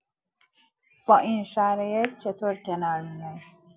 با این شرایط چطور کنار میای؟